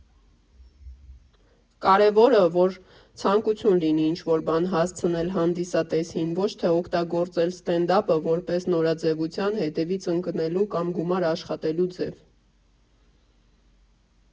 ֊ Կարևորը, որ ցանկություն լինի ինչ֊որ բան հասցնել հանդիսատեսին, ոչ թե օգտագործել ստենդափը որպես նորաձևության հետևից ընկնելու կամ գումար աշխատելու ձև։